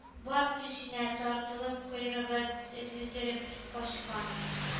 Бар көченә тартылып койрыгын өзездереп качкан